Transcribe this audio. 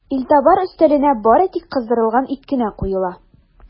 Илтабар өстәленә бары тик кыздырылган ит кенә куела.